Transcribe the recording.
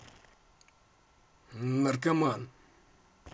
наркоман